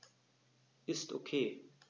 Ist OK.